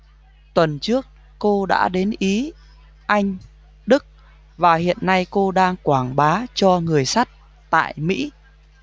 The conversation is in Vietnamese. tuần trước cô đã đến ý anh đức và hiện nay cô đang quảng bá cho người sắt tại mỹ